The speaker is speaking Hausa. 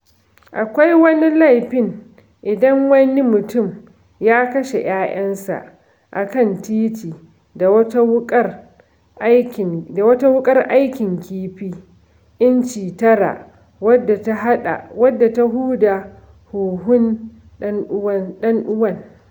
Akwai wani laifin inda wani mutum ya kashe yayansa a kan titi da wata wuƙar aikin kifi inci tara wadda ta huda huhun ɗan'uwan.